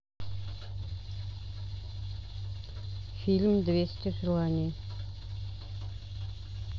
фильм двести желаний